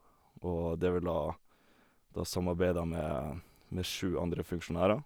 Og det vil da da samarbeider jeg med med sju andre funksjonærer.